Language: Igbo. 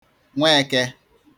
Nwẹẹkẹ